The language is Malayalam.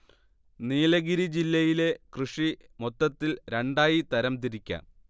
നീലഗിരി ജില്ലയിലെ കൃഷി മൊത്തത്തിൽ രണ്ടായി തരം തിരിക്കാം